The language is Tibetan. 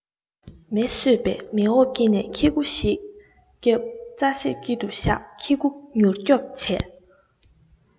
མེ གསོད པས མེ འོབ དཀྱིལ ནས ཁྱི གུ ཞིག སྐྱབས རྩ གསེབ དཀྱིལ དུ བཞག ཁྱི གུ མྱུར སྐྱོབ བྱས